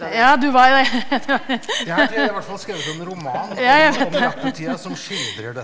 ja du var jo det ja jeg vet det.